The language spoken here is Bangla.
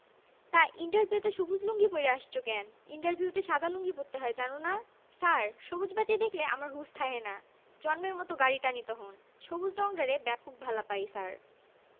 তা ইন্টারভিউ তে সবুজ লুঙ্গি পইড়া আসছো কেন ইন্টারভিউতে সাদা লুঙ্গি পড়তে হয় জানো না ছার সবুজ বাতি দ্যাখলে আমার হুশ থাহেনা জম্মের মত গাড়ি টানি তহন সবুজ রংডারে ব্যাপক ভালা পাই ছার